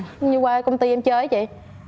đi qua công ty em chơi ấy chị